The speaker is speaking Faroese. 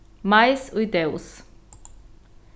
mais í dós